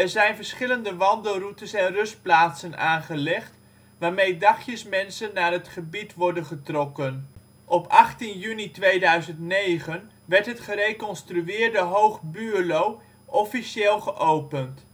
zijn verschillende wandelroutes en rustplaatsen aangelegd, waarmee dagjesmensen naar het gebied worden getrokken. Op 18 juni 2009 werd het gereconstrueerde Hoog Buurlo officieel ' geopend